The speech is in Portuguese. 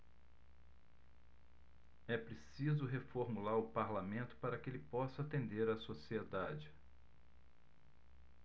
é preciso reformular o parlamento para que ele possa atender a sociedade